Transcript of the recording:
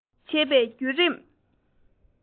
གསོ སྐྱོང བྱེད པའི བརྒྱུད རིམ